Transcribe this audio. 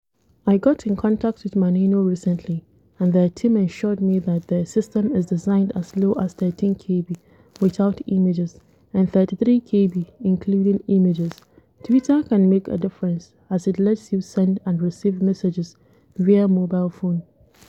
I got in contact with Maneno recently and their team ensured me that their system is designed as low as 13 kb without images and 33 kb including images… Twitter can make a difference as it lets you send and receive messages via mobile phone.